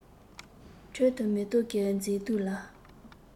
ཁྲོད དུ མེ ཏོག གི མཛེས སྡུག ལ